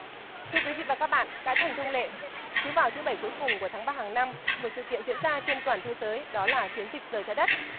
thưa quý vị và các bạn đã thành thông lệ cứ vào thứ bảy cuối cùng của tháng ba hằng năm một sự kiện diễn ra trên toàn thế giới đó là chiến dịch giờ trái đất